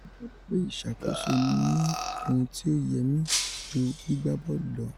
’’Mo gbagbọ pé ìṣàkóso ní ohun tí ó yẹ mí, ju gbígbà bọ́ọ̀lù lọ.